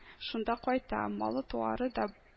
Шунда кайта, малы-туары да